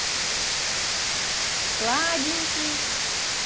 сладенький